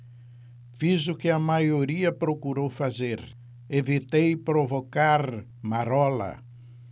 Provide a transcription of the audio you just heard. fiz o que a maioria procurou fazer evitei provocar marola